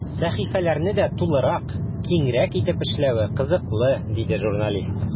Сәхифәләрне дә тулырак, киңрәк итеп эшләве кызыклы, диде журналист.